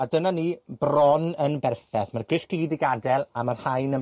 A dyna ni, bron yn berffeth. Ma'r grysg i gyd 'di gadel, a ma'r rhain yn